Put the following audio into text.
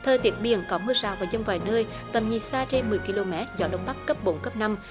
thời tiết biển có mưa rào và dông vài nơi tầm nhìn xa trên mười ki lô mét gió đông bắc cấp bốn cấp năm